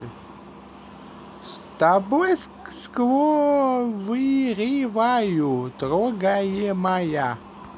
с тобой сковыриваю трогаемая